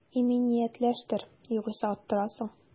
Иминиятләштер, югыйсә оттырасың